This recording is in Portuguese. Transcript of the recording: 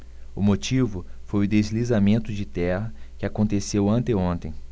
o motivo foi o deslizamento de terra que aconteceu anteontem